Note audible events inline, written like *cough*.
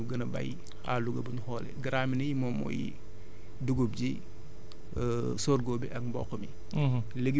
ñun loolu la ñu gën a béy à Louga bu ñu xoolee graminés yi moom mooy dugub ji *hesitation* sorgho bi ak mboq mi